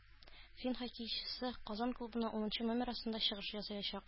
Фин хоккейчысы Казан клубында унынчы номер астында чыгыш ясаячак